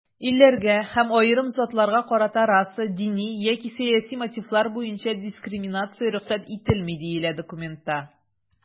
"илләргә һәм аерым затларга карата раса, дини яки сәяси мотивлар буенча дискриминация рөхсәт ителми", - диелә документта.